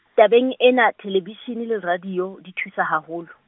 tabeng ena, thelebishine le radio, di thusa haholo.